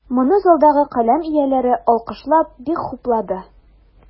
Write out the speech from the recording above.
Моны залдагы каләм ияләре, алкышлап, бик хуплады.